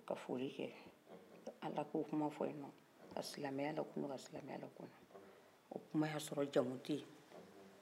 ka foli kɛ ka ala ko kuma fɔ ye nɔn ka silamɛya la kuma ka silamɛya la kuma o tuma y'a sɔrɔ jamu tɛye